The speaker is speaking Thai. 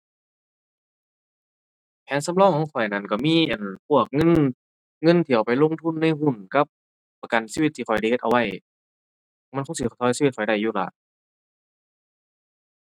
แผนสำรองของข้อยนั้นก็มี อั่น พวกเงิน เงินที่เอาไปลงทุนในหุ้นกับประกันชีวิตที่ข้อยได้เฮ็ดเอาไว้ มันคงสิก็ชีวิตข้อยได้อยู่ล่ะ